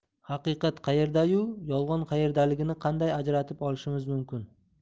haqiqat qayerda yu yolg'on qayerdaligini qanday ajratib olishimiz mumkin